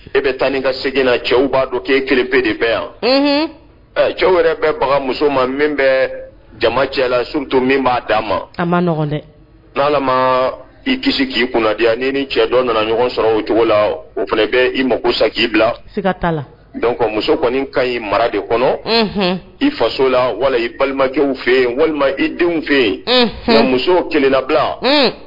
E bɛ taa ni ka segin na cɛw b'a dɔn ke kelen pe de bɛɛ yan cɛw yɛrɛ bɛ bagan muso ma min bɛ jama cɛ la sutu min b'a d a ma taamaɔgɔn dɛ n' i kisi k'i kunnadiya ni ni cɛ dɔ nana ɲɔgɔn sɔrɔ o cogo la o fana bɛ i mako sa k'i bila s ta la don muso kɔni ka ɲi mara de kɔnɔ i faso la wala i balimacɛ fɛ yen walima i denw fɛ yen nka musow kelenlabila